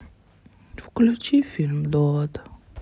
включи фильм довод